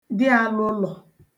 dị àlụlọ̀